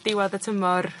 diwadd y tymor